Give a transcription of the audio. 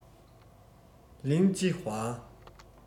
ལིང ཅི ཧྭ